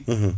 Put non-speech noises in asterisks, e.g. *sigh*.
*hesitation* *hesitation*